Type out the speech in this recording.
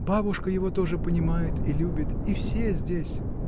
Бабушка его тоже понимает и любит, и все здесь.